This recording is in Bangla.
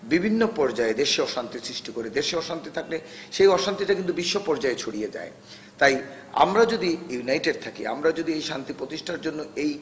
বিভিন্ন পর্যায়ে দেশে অশান্তি সৃষ্টি করে দেশে অশান্তি থাকলে সেই অশান্তিটা কিন্তু বিশ্ব পর্যায়ে ছড়িয়ে যায় তাই আমরা যদি ইউনাইটেড থাকি আমরা যদি এই শান্তি প্রতিষ্ঠার জন্য এই